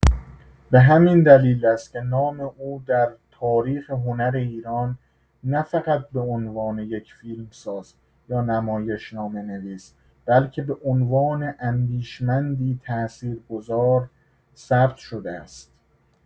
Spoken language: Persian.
به همین دلیل است که نام او در تاریخ هنر ایران نه‌فقط به عنوان یک فیلمساز یا نمایشنامه‌نویس، بلکه به عنوان اندیشمندی تاثیرگذار ثبت شده است.